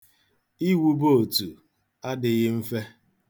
Iwebe otu adịghị mfe.